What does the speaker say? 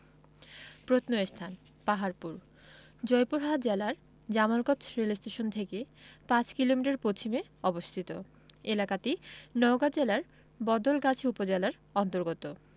প্রত্নস্থানঃ পাহাড়পুর জয়পুরহাট জেলার জামালগঞ্জ রেলস্টেশন থেকে ৫ কিলোমিটার পশ্চিমে অবস্থিত এলাকাটি নওগাঁ জেলার বদলগাছি উপজেলার অন্তর্গত